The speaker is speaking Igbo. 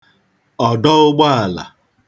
ọ̀dọụgbọàlà